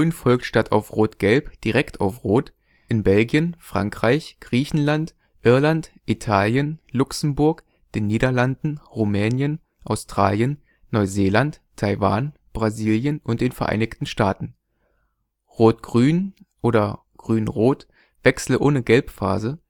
folgt statt auf Rot-Gelb direkt auf Rot: in Belgien, Frankreich, Griechenland, Irland, Italien, Luxemburg, den Niederlanden, Rumänien, Australien, Neuseeland, Taiwan, Brasilien und den Vereinigten Staaten Rot-Grün/Grün-Rot Wechsel ohne Gelbphase